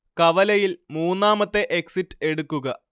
കവലയിൽ മൂന്നാമത്തെ എക്സിറ്റ് എടുക്കുക